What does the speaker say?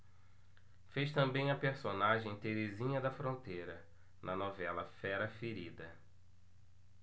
fez também a personagem terezinha da fronteira na novela fera ferida